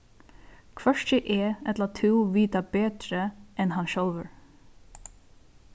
hvørki eg ella tú vita betri enn hann sjálvur